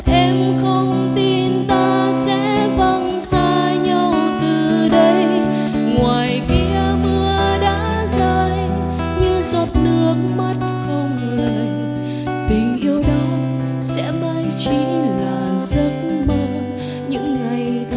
em không tin ta sẽ vắng xa nhau từ đây ngoài kia mưa đã rơi như giọt nước mắt không lời tình yêu đó sẽ mãi chỉ là giấc mơ những ngày